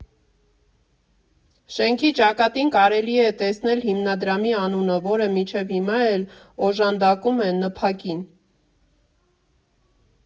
Շենքի ճակատին կարելի է տեսնել հիմնադրամի անունը, որը մինչև հիմա էլ օժանդակում է ՆՓԱԿ֊ին։